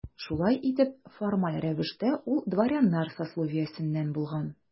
Шулай итеп, формаль рәвештә ул дворяннар сословиесеннән булган.